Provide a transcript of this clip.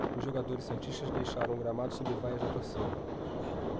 os jogadores santistas deixaram o gramado sob vaias da torcida